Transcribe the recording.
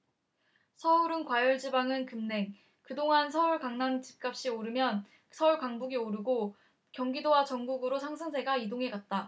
서울은 과열 지방은 급랭그동안은 서울 강남 집값이 오르면 서울 강북이 오르고 경기도와 전국으로 상승세가 이동해갔다